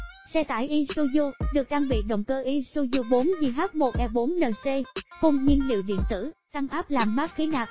xe tải isuzu được trang bị động cơ isuzu jh e nc phun nhiên liệu điện tử tăng áp làm mát khí nạp